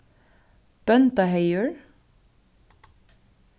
bóndaheygur